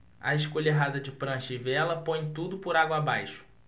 a escolha errada de prancha e vela põe tudo por água abaixo